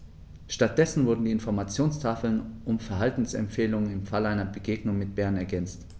Stattdessen wurden die Informationstafeln um Verhaltensempfehlungen im Falle einer Begegnung mit dem Bären ergänzt.